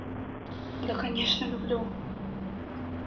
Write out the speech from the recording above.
да конечно люблю